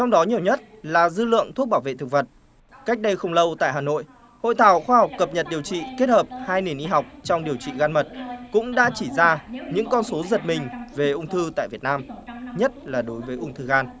trong đó nhiều nhất là dư lượng thuốc bảo vệ thực vật cách đây không lâu tại hà nội hội thảo khoa học cập nhật điều trị kết hợp hai nền y học trong điều trị gan mật cũng đã chỉ ra những con số giật mình về ung thư tại việt nam nhất là đối với ung thư gan